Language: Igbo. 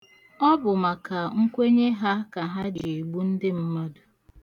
Ọ bụ maka nkwenye ha ka ji egbu ndị mmadụ.